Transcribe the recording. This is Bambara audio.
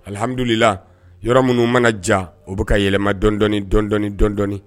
Alihamidulila yɔrɔ munun mana ja u bi ka yelema dɔndɔɔni dɔndɔɔni dɔndɔɔni